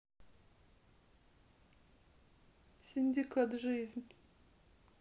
синдикат жизнь